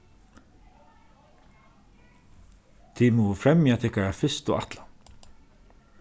tit mugu fremja tykkara fyrstu ætlan